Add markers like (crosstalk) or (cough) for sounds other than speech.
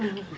(hesitation) (hesitation)